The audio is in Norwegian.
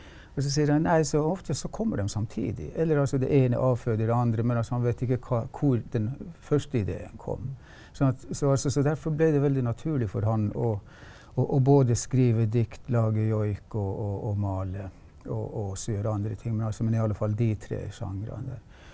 og så sier han nei så ofte så kommer dem samtidig eller altså det ene avføder det andre, men altså han vet ikke hva hvor den første ideen kom sånn at så altså så derfor ble det veldig naturlig for han å å å både skrive dikt, lage joik og og og male og og også gjøre andre ting men altså men i alle fall de tre sjangrene.